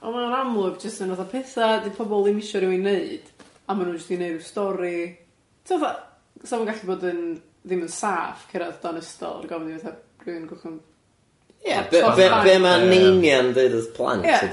Ond ma' nhw'n amlwg jyst yn fatha petha 'di pobl ddim isio rywun neud, a ma' nhw jyst 'di 'neu' rw stori, ti 'bod fatha, sa fo'n gallu bod yn ddim yn saff cerddad o dan ystol rhag ofn i fatha rywun gollwng ym- Ie, be' be' be' ma' neinia yn deud wrth plant ydi o ia? Ia.